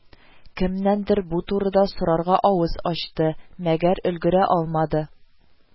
Кемнәндер бу турыда сорарга авыз ачты, мәгәр өлгерә алмады